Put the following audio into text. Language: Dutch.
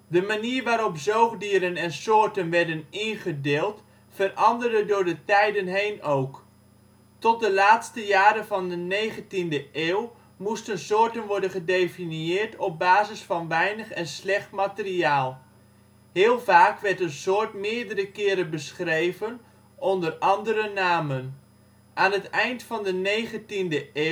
De manier waarop zoogdieren in soorten werden ingedeeld veranderde door de tijden heen ook. Tot de laatste jaren van de 19e eeuw moesten soorten worden gedefinieerd op basis van weinig en slecht materiaal; heel vaak werd een soort meerdere keren beschreven onder andere namen. Aan het eind van de 19e eeuw